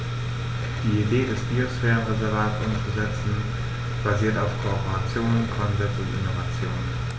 Die Idee des Biosphärenreservates umzusetzen, basiert auf Kooperation, Konsens und Innovation.